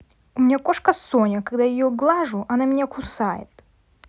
у меня кошка соня когда ее глажу она меня кусает